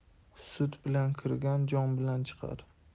sut bilan kirgan jon bilan chiqar